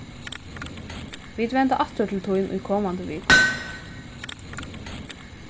vit venda aftur til tín í komandi viku